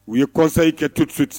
U ye kɔsanyi kɛ tu sututi